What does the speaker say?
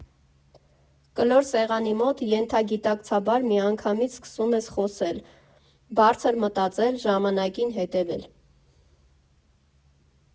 Կլոր սեղանի մոտ ենթագիտակցաբար միանգամից սկսում ես խոսել, բարձր մտածել, ժամանակին հետևել։